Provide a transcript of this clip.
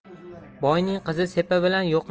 boyning qizi sepi bilan